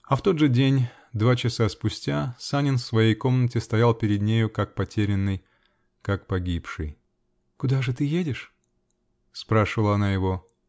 А в тот же день, два часа спустя, Санин в своей комнате стоял перед нею, как потерянный, как погибший. -- Куда же ты едешь? -- спрашивала она его.